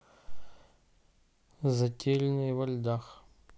затерянные во льдах